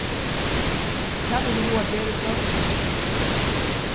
hvat hevur tú hug at gera í kvøld